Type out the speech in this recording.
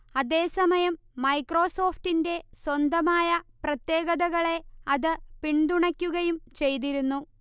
അതേസമയം മൈക്രോസോഫ്റ്റിന്റെ സ്വന്തമായ പ്രത്യേകതകളെ അത് പിന്തുണക്കുകയും ചെയ്തിരുന്നു